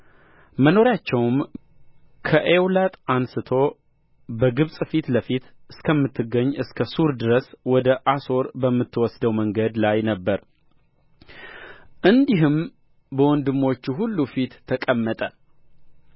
መኖሪያቸውም ከኤውላጥ አንሥቶ በግብፅ ፊት ለፊት እስከምትገኝ እስከ ሱር ድረስ ወደ አሦር በምትወስደው መንገድ ላይ ነበረ እንዲህም በወንድሞቹ ሁሉ ፊት ተቀመጠ